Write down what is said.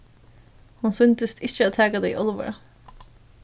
hon sýndist ikki taka tað í álvara